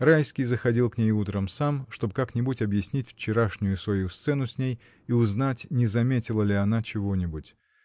Райский заходил к ней утром сам, чтобы как-нибудь объяснить вчерашнюю свою сцену с ней и узнать, не заметила ли она чего-нибудь.